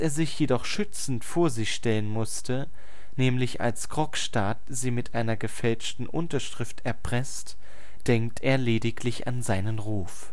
sich jedoch schützend vor sie stellen musste, nämlich als Krogstad sie mit einer gefälschten Unterschrift erpresst, denkt er lediglich an seinen Ruf